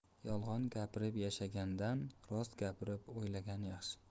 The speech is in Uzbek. yolg'on gapirib yashagandan rost gapirib o'lgan yaxshi